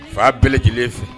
Fa bɛɛlɛ lajɛlen fɛ